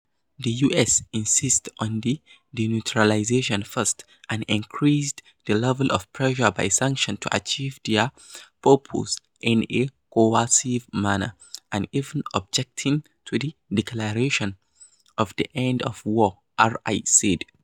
"The U.S. insists on the "denuclearization-first" and increases the level of pressure by sanctions to achieve their purpose in a coercive manner, and even objecting to the "declaration of the end of war,"" Ri said.